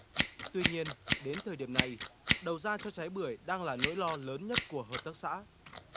tuy nhiên đến thời điểm này đầu ra cho trái bưởi đang là nỗi lo lớn nhất của hợp tác xã